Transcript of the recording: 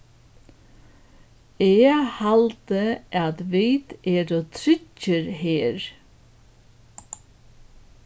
eg haldi at vit eru tryggir her